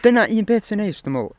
Dyna un peth sy'n neis dwi'n meddwl...